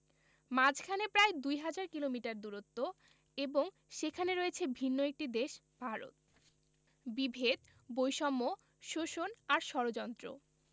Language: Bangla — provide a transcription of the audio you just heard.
মাঝখানে প্রায় দুই হাজার কিলোমিটার দূরত্ব এবং সেখানে রয়েছে ভিন্ন একটি দেশ ভারত বিভেদ বৈষম্য শোষণ আর ষড়যন্ত্র